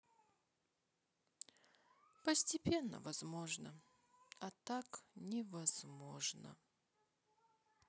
постепенно возможно а так невозможно